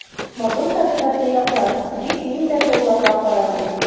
Матур табигатьле яклар, — дип мин дә тауларга карадым.